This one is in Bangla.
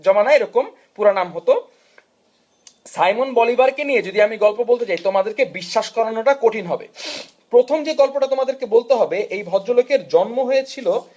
জমানায় এরকম পুরা নাম হত সাইমন বলিভার কে নিয়ে যদি আমি গল্প বলতে যাই তোমাদেরকে বিশ্বাস করাটা কঠিন হবে প্রথম যে গল্পটা তোমাদেরকে বলতে হবে এ ভদ্রলোকের জন্ম হয়েছিল